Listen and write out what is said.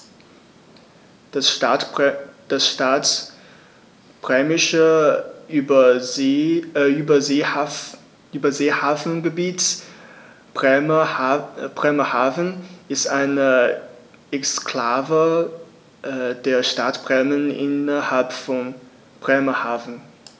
Das Stadtbremische Überseehafengebiet Bremerhaven ist eine Exklave der Stadt Bremen innerhalb von Bremerhaven.